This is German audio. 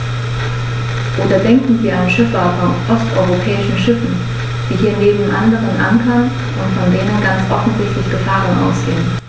Oder denken Sie an Schiffer von osteuropäischen Schiffen, die hier neben anderen ankern und von denen ganz offensichtlich Gefahren ausgehen.